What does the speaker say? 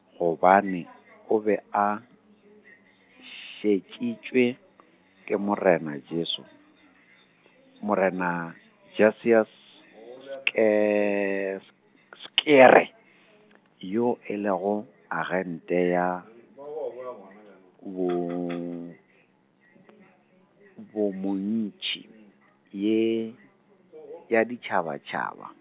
gobane o be a, šetšitšwe , ke morena Jesu, morena Jasues , Sche- S- Scherrer , yo e le go, agente ya , bo , bo mo ntšhi, ye , ya ditšhabatšhaba.